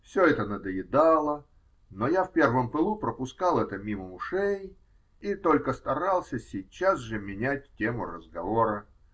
все это надоедало, но я в первом пылу пропускал это мимо ушей и только старался сейчас же менять тему разговора.